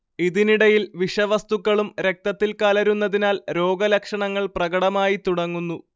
ഇതിനിടയിൽ വിഷവസ്തുക്കളും രക്തത്തിൽ കലരുന്നതിനാൽ രോഗലക്ഷണങ്ങൾ പ്രകടമായിത്തുടങ്ങുന്നു